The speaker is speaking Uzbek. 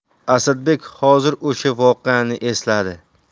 asadbek hozir o'sha voqeani esladi